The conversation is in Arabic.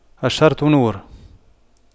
الشرط نور